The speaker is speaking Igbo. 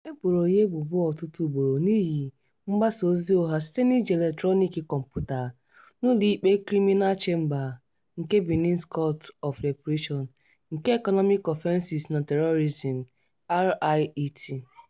E boro ya ebubo ọtụtụ ugboro n'ihi "mgbasa ozi ụgha site n'iji eletrọniik kọmputa" n'ụlọikpe Criminal Chamber nke Benin's Court of Repression nke Economic Offenses na Terrorism CRIET).